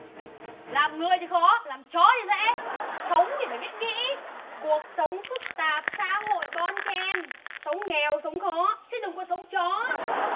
làm người thì khó làm chó thì dễ sống thì phải biết nghĩ cuộc sống phức tạp xã hội bon chen sống nghèo sống khó chứ đừng có sống chó